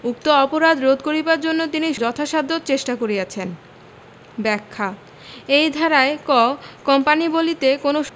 উক্ত অপরাধ রোধ করিবার জন্য তিনি যথাসাধ্য চেষ্টা করিয়াছেন ব্যাখ্যাঃ এই ধারায়ঃ ক কোম্পানী বলিতে কোন